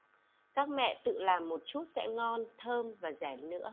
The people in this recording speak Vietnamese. các mẹ tự làm một chút sẽ ngon thơm và rẻ nữa